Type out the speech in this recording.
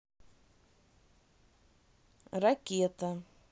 ракета